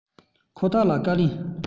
ཁོ ཐག ལ བཀའ ལན